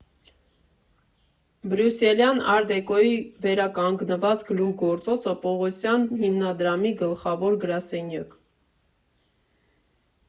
Բրյուսելյան ար֊դեկոյի վերականգնված գլուխգործոցը՝ Պողոսյան հիմնադրամի գլխավոր գրասենյակ։